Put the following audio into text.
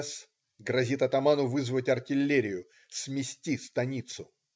С. грозит атаману вызвать артиллерию, "смести станицу".